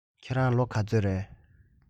ཁྱེད རང ལོ ག ཚོད རེད